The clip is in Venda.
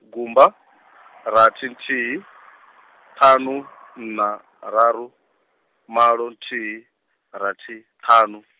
gumba, rathi nthihi, ṱhanu nṋa raru, malo nthihi, rathi ṱhanu.